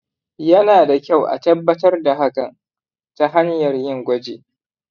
yana da kyau a tabbatar da hakan ta hanyar yin gwaji.